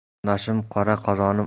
qarindoshim qora qozonim